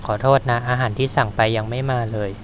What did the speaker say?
ขอโทษนะอาหารที่สั่งไปยังไม่มาเลย